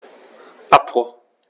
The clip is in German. Abbruch.